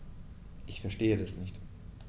Ich verstehe das nicht.